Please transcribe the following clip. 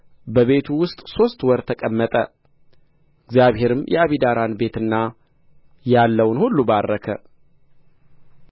በቤቱ ውስጥ ሦስት ወር ተቀመጠ እግዚአብሔርም የአቢዳራን ቤትና ያለውን ሁሉ ባረከ